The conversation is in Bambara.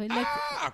Un